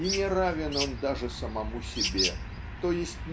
и не равен он даже самому себе т. -е.